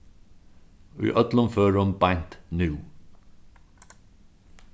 í øllum førum beint nú